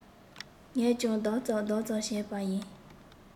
ངས ཀྱང ལྡག ཙམ ལྡག ཙམ བྱས པ ཡིན